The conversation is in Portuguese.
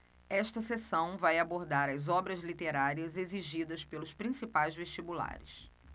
esta seção vai abordar as obras literárias exigidas pelos principais vestibulares